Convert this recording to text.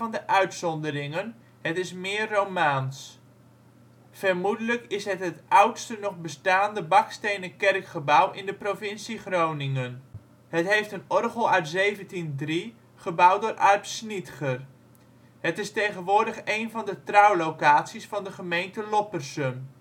de uitzonderingen, het is meer romaans. Vermoedelijk is het het oudste nog bestaande bakstenen kerkgebouw in de provincie Groningen. Het heeft een orgel uit 1703 gebouwd door Arp Schnitger. Het is tegenwoordig één van de trouwlocaties van de gemeente Loppersum